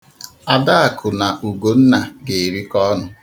Adakụ na Ugonna ga-erikọ ọnụ.